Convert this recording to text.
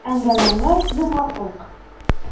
Әңгәмәне йомгаклыйк.